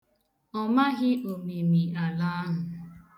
Ọ maghị omimi ala ahụ.